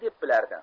deb bilardi